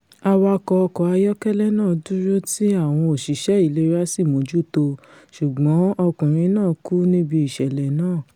Awakọ̀ ọkọ̀ ayọ́kẹ́lẹ́ náà dúró tí àwọn òṣìṣẹ́ ìlera sì mójútó o, s̀ugbọ́n ọkùnrin náà kú níbi ìṣẹ̀lẹ̀ náà.